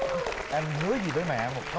em hứa gì với mẹ một câu